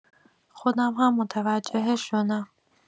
خودم هم متوجهش شدم.